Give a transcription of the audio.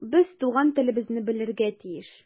Без туган телебезне белергә тиеш.